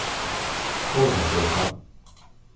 foragøta